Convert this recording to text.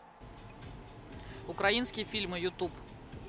украинские фильмы ютуб